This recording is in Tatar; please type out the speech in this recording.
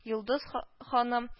Йолдыз ха ханым: